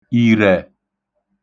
ìrẹ̀